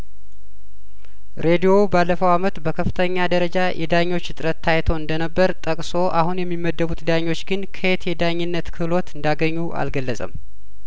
ሬዲዮው ባለፈው አመት በከፍተኛ ደረጃ የዳኞች እጥረት ታይቶ እንደነበር ጠቅሶ አሁን የሚመደቡት ዳኞች ግን ከየት የዳኝነት ክህሎቱ እንዳገኙ አልገለጸም